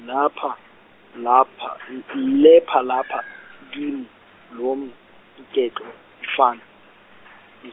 lapha lapha letha lapha kimi lomgexo mfana mf-.